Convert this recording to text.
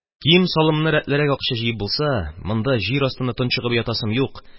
Кием-салымны рәтләрлек акча җыеп булса, монда, җир астында тончыгып ятасым юк.